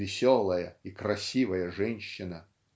веселая и красивая женщина.